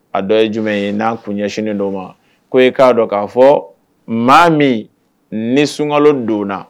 A dɔ ye jumɛn ye n'an kun ɲɛ siniinin d ma ko e k'a dɔn k'a fɔ maa min ni sunka don